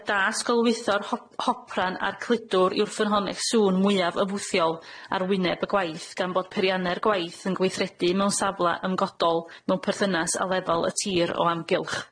Y hop- hopran a'r cludwr yw'r ffynhonnell sŵn mwyaf ymwythiol ar wyneb y gwaith gan bod peirianne'r gwaith yn gweithredu mewn safla ymgodol mewn perthynas â lefel y tir o amgylch.